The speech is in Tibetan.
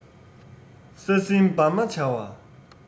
ས སྲིན འབར མ བྱ བ